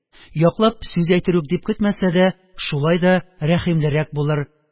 Яклап сүз әйтер дип үк көтмәсә дә, шулай да рәхимлерәк булыр